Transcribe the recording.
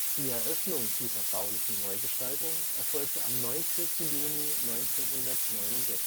Die Eröffnung dieser baulichen Neugestaltung erfolgte am 19. Juni 1969